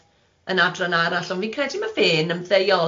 Yn adran arall, ond fi'n credu ma' fe'n ymddeol